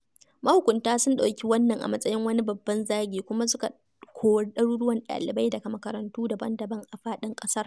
Mahukunta sun ɗauki wannan a matsayin wani babban zagi kuma suka kori ɗaruruwan ɗalibai daga makarantu daban-daban a faɗin ƙasar.